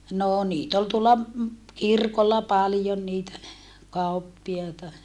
no niitä oli tuolla kirkolla paljon niitä kauppiaita